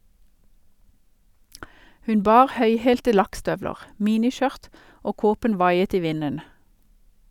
Hun bar høyhælte lakkstøvler, miniskjørt, og kåpen vaiet i vinden.